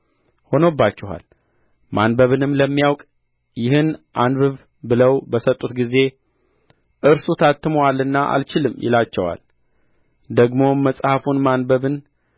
ሆኖባችኋል ማንበብንም ለሚያውቅ ይህን አንብብ ብለው በሰጡት ጊዜ እርሱ ታትሞአልና አልችልም ይላቸዋል ደግሞም መጽሐፉን ማንበብን